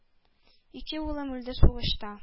Ике улым үлде сугышта,